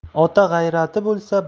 ota g'ayrath bo'lsa